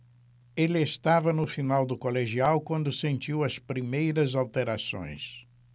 ele estava no final do colegial quando sentiu as primeiras alterações